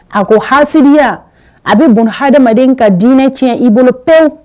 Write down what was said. A ko haya a bɛ bon hadamaden ka diinɛ tiɲɛ i bolo pewu